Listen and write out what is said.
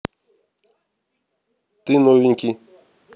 ты новенький